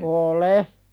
olen